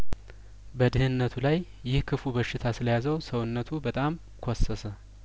በድህነቱ ላይ ይህ ክፉ በሽታ ስለያዘው ሰውነቱ በጣም ኰሰሰ